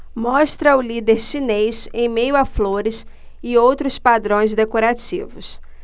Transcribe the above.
mostra o líder chinês em meio a flores e outros padrões decorativos